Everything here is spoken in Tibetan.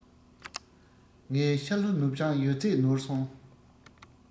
ངས ཤར ལྷོ ནུབ བྱང ཡོད ཚད ནོར སོང